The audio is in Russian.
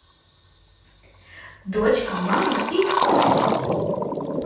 дочка мама и сын